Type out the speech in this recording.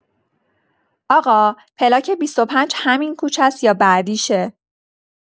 آقا، پلاک ۲۵ همین کوچه‌ست یا بعدیشه؟